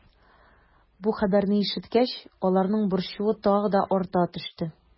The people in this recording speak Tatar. Бу хәбәрне ишеткәч, аларның борчуы тагы да арта төште.